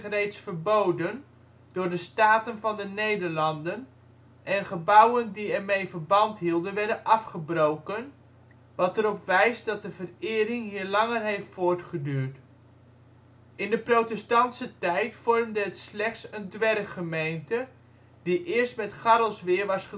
reeds verboden door de Staten van de Nederlanden en gebouwen die ermee verband hielden werden afgebroken, wat erop wijst dat de verering hier langer heeft voortgeduurd. In de protestantse tijd vormde het slechts een dwerggemeente, die eerst met Garrelsweer was